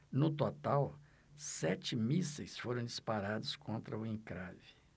no total sete mísseis foram disparados contra o encrave